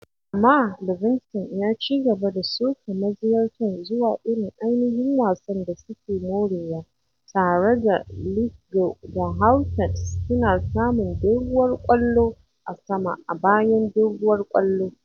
Amma Livingston ya ci gaba da soka maziyartan zuwa irin ainihin wasan da suke morewa, tare daLithgow da Halkett suna samun doguwar ƙwallo a sama a bayan doguwar ƙwallo.